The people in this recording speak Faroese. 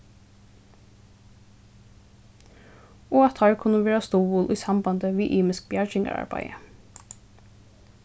og at teir kunnu vera stuðul í sambandi við ymisk bjargingararbeiði